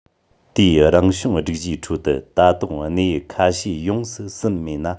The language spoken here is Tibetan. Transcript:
དེའི རང བྱུང སྒྲིག གཞིའི ཁྲོད དུ ད དུང གནས ཡུལ ཁ ཤས ཡོངས སུ ཟིན མེད ན